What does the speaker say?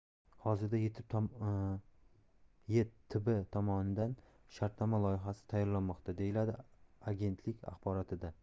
hozirda yettb tomonidan shartnoma loyihasi tayyorlanmoqda deyiladi agentlik axborotida